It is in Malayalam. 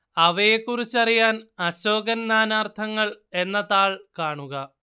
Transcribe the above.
അവയെക്കുറിച്ചറിയാന് അശോകന്‍ നാനാര്‍ത്ഥങ്ങള്‍ എന്ന താള്‍ കാണുക